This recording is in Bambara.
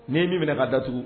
N ye min minɛ ka datugu